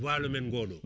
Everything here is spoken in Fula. walo men ngoɗo